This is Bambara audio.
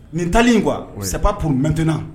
Nin ntalen kuwa saba p mɛntna